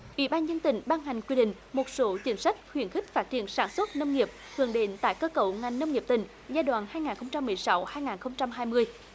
ủy ban nhân dân tỉnh ban hành quy định một số chính sách khuyến khích phát triển sản xuất nông nghiệp thường đến tái cơ cấu ngành nông nghiệp tỉnh giai đoạn hai ngàn không trăm mười sáu hai ngàn không trăm hai mươi